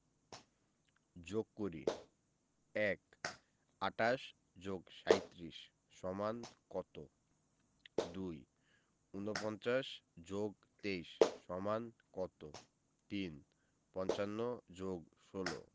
যোগ করিঃ ১ ২৮ + ৩৭ = কত ২ ৪৯ + ২৩ = কত ৩ ৫৫ + ১৬